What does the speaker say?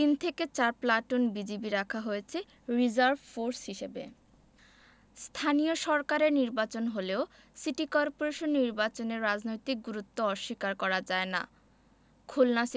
তিন থেকে চার প্লাটুন বিজিবি রাখা হয়েছে রিজার্ভ ফোর্স হিসেবে স্থানীয় সরকারের নির্বাচন হলেও সিটি করপোরেশন নির্বাচনের রাজনৈতিক গুরুত্ব অস্বীকার করা যায় না